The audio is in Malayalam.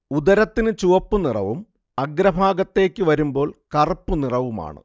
ഉദരത്തിനു ചുവപ്പ് നിറവും അഗ്രഭാഗത്തേക്ക് വരുമ്പോൾ കറുപ്പു നിറവുമാണ്